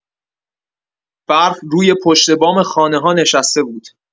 برف روی پشت‌بام خانه‌ها نشسته بود.